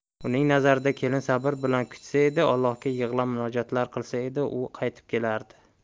uning nazarida kelin sabr bilan kutsa edi ollohga yig'lab munojotlar qilsa edi u qaytib kelardi